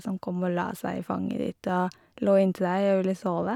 Sånn kom og la seg i fanget ditt og lå inntil deg og ville sove.